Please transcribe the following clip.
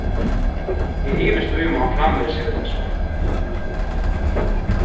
eg ivist í um hann framvegis hevur tað so